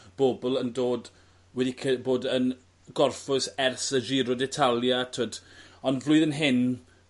bobol yn dod wedi ce- bod yn gorffwys ers y Giro d'Italia t'wod ond flwyddyn hyn